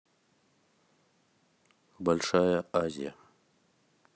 большая азия